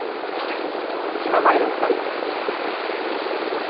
sig mær meira um hatta